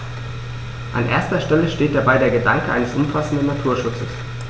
An erster Stelle steht dabei der Gedanke eines umfassenden Naturschutzes.